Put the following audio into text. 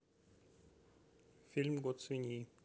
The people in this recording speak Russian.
фильм год свиньи